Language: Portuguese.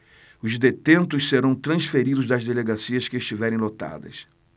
os detentos serão transferidos das delegacias que estiverem lotadas